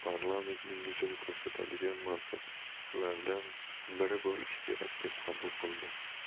ko'rsatadigan mansablardan biri bo'lishi kerak deb qabul qildim